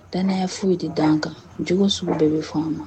T'ya foyi tɛ dan kan j sugu bɛɛ bɛ fɔ ma